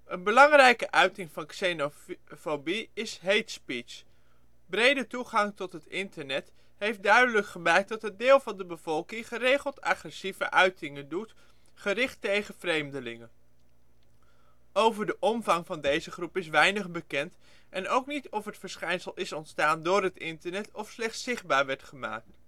belangrijke uiting van xenofobie is hate speech. Brede toegang tot het internet heeft duidelijk gemaakt dat een deel van de bevolking geregeld agressieve uitingen doet, gericht tegen vreemdelingen. Over de omvang van deze groep is weinig bekend, en ook niet of het verschijnsel is ontstaan door het internet, of slechts zichtbaar werd gemaakt